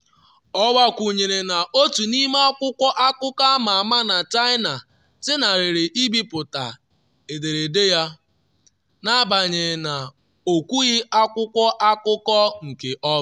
Ọ gbakwunyere na “otu n’ime akwụkwọ akụkọ ama ama na China zenarịrị ibiputa” ederede ya, n’agbanyeghị na o kwughị akwụkwọ akụkọ nke ọ bụ.